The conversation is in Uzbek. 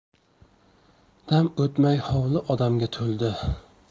dam o'tmay hovli odamga to'ldi